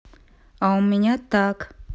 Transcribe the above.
а у меня так